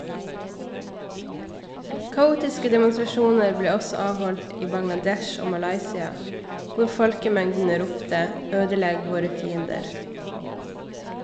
Kaotiske demonstrasjoner ble også avholdt i Bangladesh og Malaysia, hvor folkemengdene ropte «ødelegg våre fiender!»